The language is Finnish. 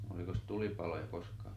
olikos tulipaloja koskaan